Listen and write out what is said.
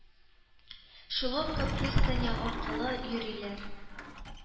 Шиловка пристане аркылы йөриләр,